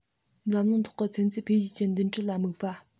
འཛམ གླིང ཐོག གི ཚན རྩལ འཕེལ རྒྱས ཀྱི མདུན གྲལ ལ དམིགས པ